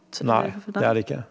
nei det er det ikke.